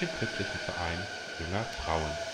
Christlichen Verein Junger Frauen